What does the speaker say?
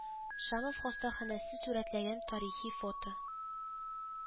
Шамов хастаханәсен сүрәтләгән тарихи фото